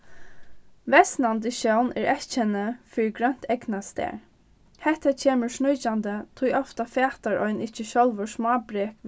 versnandi sjón er eyðkennið fyri grønt eygnastar hetta kemur sníkjandi tí ofta fatar ein ikki sjálvur smábrek